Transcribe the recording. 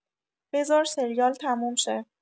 بذار سریال تموم شه.